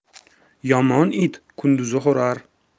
yomon it kunduzi hurar